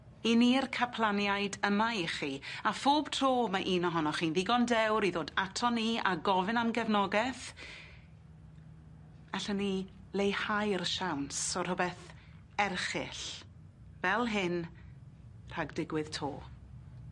'Yn ni'r caplaniaid yma i chi a phob tro ma' un ohonoch chi'n ddigon dewr i ddod ato ni a gofyn am gefnogeth allen ni leihau'r siawns o rhwbeth erchyll fel hyn rhag digwydd 'to.